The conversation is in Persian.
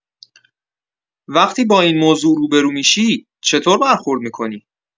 وقتی با این موضوع روبه‌رو می‌شی چطور برخورد می‌کنی؟